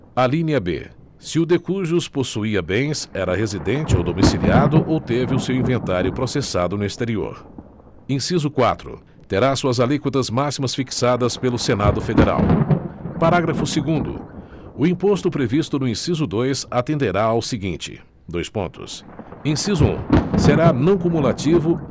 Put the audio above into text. alínea b se o de cujus possuía bens era residente ou domiciliado ou teve o seu inventário processado no exterior inciso quatro terá suas alíquotas máximas fixadas pelo senado federal parágrafo segundo o imposto previsto no inciso dois atenderá ao seguinte dois pontos inciso um será não cumulativo